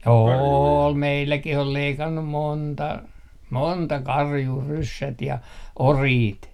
oli meilläkin on leikannut monta monta karjua ryssät ja oriit